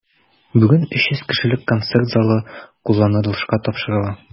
Бүген 300 кешелек концерт залы кулланылышка тапшырыла.